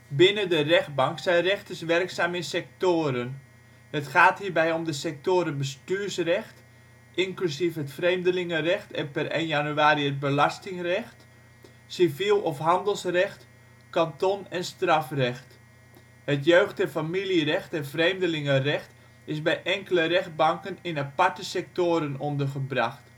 Binnen de rechtbank zijn rechters werkzaam in sectoren. Het gaat hierbij om de sectoren bestuursrecht (inclusief het vreemdelingenrecht en per 1 januari 2005 het belastingrecht), civiel of handelsrecht, kanton en strafrecht. Het jeugd - en familierecht en vreemdelingenrecht is bij enkele rechtbanken in aparte sectoren ondergebracht